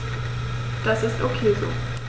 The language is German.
Das ist ok so.